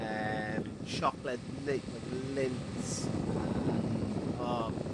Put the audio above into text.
Yym siocled nei- like Lindt a... Hmm. ...o